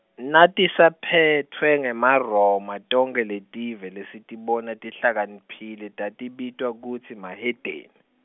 Natisaphetfwe ngeMaroma, tonkhe letive, lesitibona tihlakaniphile tatibitwa kutsi mahedeni.